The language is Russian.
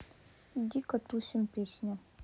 дико тусим песня